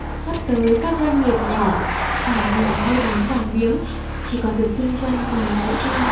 sắp tới các doanh nghiệp nhỏ phải ngừng mua bán vàng miếng chỉ còn được kinh doanh vàng nữ trang